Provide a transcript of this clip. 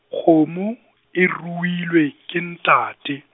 kgomo, e ruilwe, ke ntate.